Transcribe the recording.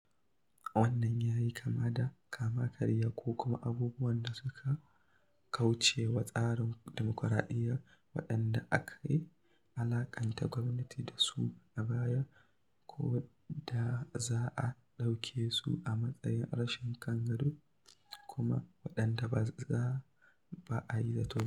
Wannan ya yi kama da kama-karya ko kuma abubuwan da suka kauce wa tsarin dimukuraɗiyya waɗanda ake alaƙanta gwamnati da su a baya, ko da za a ɗauke su a matsayin rashin kan gado, kuma waɗanda ba a yi zato ba.